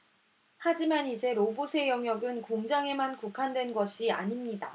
하지만 이제 로봇의 영역은 공장에만 국한된 것이 아닙니다